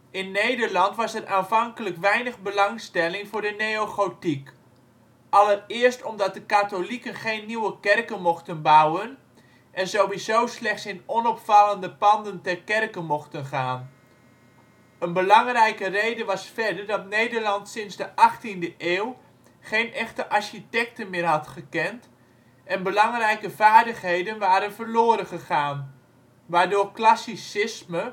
In Nederland was er aanvankelijk weinig belangstelling voor de neogotiek, allereerst omdat de katholieken geen nieuwe kerken mochten bouwen en sowieso slechts in onopvallende panden ter kerke mochten gaan. Een belangrijke reden was verder dat Nederland sinds de 18e eeuw geen echte architecten meer had gekend en belangrijke vaardigheden waren verloren gegaan, waardoor classicisme